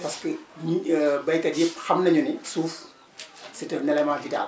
parce que ñu béykat yëpp xam nañu ni suuf c' est un élément vital